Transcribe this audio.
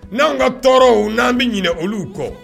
N' anwanw ka tɔɔrɔw n'an bɛ ɲinin olu kɔ